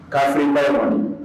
K'a sen ba ye man di